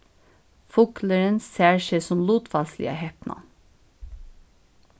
fuglurin sær seg sum lutfalsliga hepnan